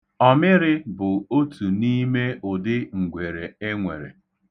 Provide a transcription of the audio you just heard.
Ọmịrị bụ otu n'ime ụdị ngwere e nwere.